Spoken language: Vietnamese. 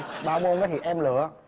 ba môn đó thì em lựa